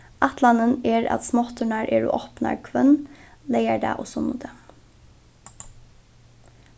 ætlanin er at smátturnar eru opnar hvønn leygardag og sunnudag